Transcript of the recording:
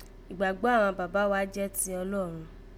Ìgbàgbọ́ àghan bàbá wá jẹ́ ti Ọlọ́run